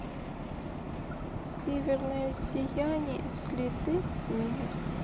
северное сияние следы смерти